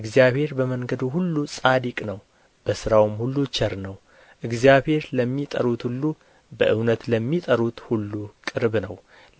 እግዚአብሔር በመንገዱ ሁሉ ጻድቅ ነው በሥራውም ሁሉ ቸር ነው እግዚአብሔር ለሚጠሩት ሁሉ በእውነት ለሚጠሩት ሁሉ ቅርብ ነው